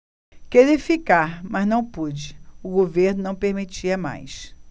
queria ficar mas não pude o governo não permitia mais